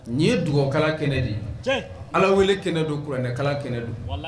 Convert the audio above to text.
Nin ye dugawukala kɛnɛ de ye ala wele kɛnɛ donuranɛkala kɛnɛ do